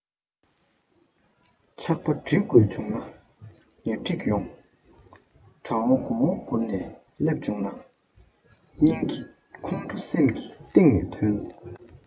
ཆག པ སྒྲིག དགོས བྱུང ན ཉ སྒྲིག ཡོང དགྲ བོ མགོ བོ སྒུར ནས སླེབས བྱུང ན སྙིང གི ཁོང ཁྲོ སེམས ཀྱི གཏིང ནས ཐོན